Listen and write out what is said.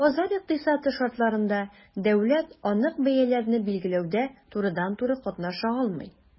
Базар икътисады шартларында дәүләт анык бәяләрне билгеләүдә турыдан-туры катнаша алмый.